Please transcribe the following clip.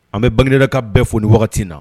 An bɛ bangeinɛda ka bɛɛ fo ni wagati na